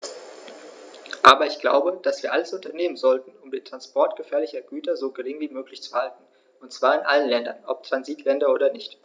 Aber ich glaube, dass wir alles unternehmen sollten, um den Transport gefährlicher Güter so gering wie möglich zu halten, und zwar in allen Ländern, ob Transitländer oder nicht.